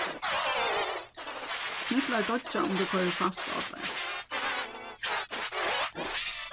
sniglar doyggja um tú koyrir salt á teir